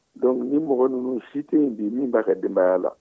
donc nin mɔgɔ ninnu si tɛ bi min denbaya la